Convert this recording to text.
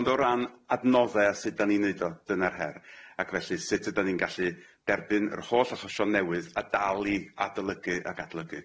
Ond o ran adnodde a sud da ni'n neud o dyna'r her. Ac felly sut ydan ni'n gallu derbyn yr holl achosion newydd a dal i adolygu ac adlygu?